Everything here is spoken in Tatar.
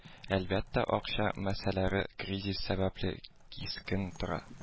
Әлбәттә акча мәсьәләре кризис сәбәпле кискен тора